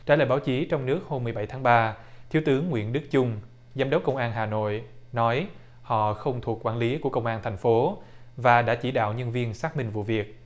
trả lời báo chí trong nước hôm mười bảy tháng ba thiếu tướng nguyễn đức chung giám đốc công an hà nội nói họ không thuộc quản lý của công an thành phố và đã chỉ đạo nhân viên xác minh vụ việc